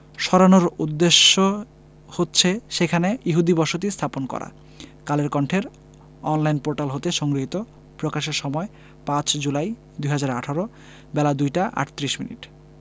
সরানোর উদ্দেশ্য হচ্ছে সেখানে ইহুদি বসতি স্থাপন করা কালের কন্ঠের অনলাইন পোর্টাল হতে সংগৃহীত প্রকাশের সময় ৫ জুলাই ২০১৮ বেলা ২টা ৩৮ মিনিট